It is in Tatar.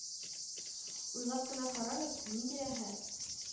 Уйлап кына карагыз, нинди рәхәт